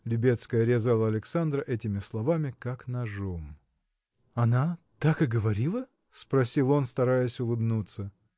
– Любецкая резала Александра этими словами, как ножом. – Она. так и говорила? – спросил он, стараясь улыбнуться.